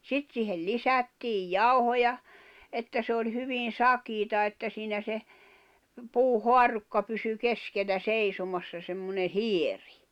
sitten siihen lisättiin jauhoja että se oli hyvin sakeaa että siinä se puuhaarukka pysyi keskellä seisomassa semmoinen hieno